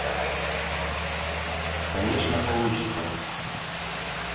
конечно получится